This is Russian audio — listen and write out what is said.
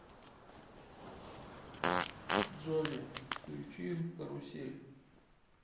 джоли включи карусель